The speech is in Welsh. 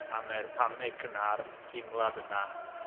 A mae'r panig yna, a'r teimlad yna...